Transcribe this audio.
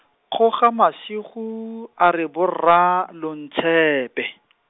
Kgogamasigo a re borra lo ntshepe.